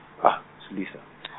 silisa .